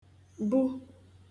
bu